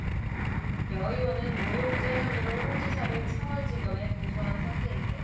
여 의원은 묘욕죄 혐의로 홍 지사를 창원지검에 고소한 상태이구요